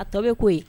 A tɔ be ko ye.